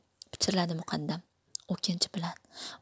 pichirladi muqaddam o'kinch bilan